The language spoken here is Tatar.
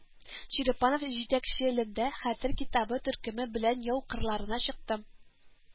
Черепанов җитәкчелендә Хәтер китабы төркеме белән яу кырларына чыктым